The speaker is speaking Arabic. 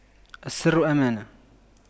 السر أمانة